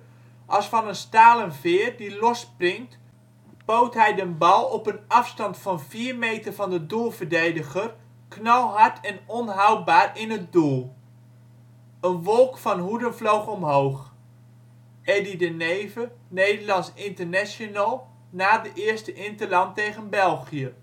van een stalen veer, die los springt, poot hij den bal op een afstand van 4 meter van den doelverdediger knalhard en onhoudbaar in het doel. Een wolk van hoeden vloog omhoog ". Eddy de Neve, Nederlands international, na de eerste interland tegen België